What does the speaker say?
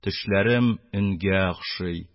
Төшләрем өнгә охшый